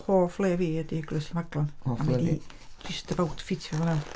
Hoff le fi ydi Eglwys Llanfaglan... Hoff le fi... 'di just about ffitio fo fewn.